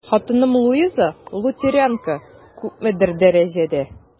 Хатыным Луиза, лютеранка, күпмедер дәрәҗәдә...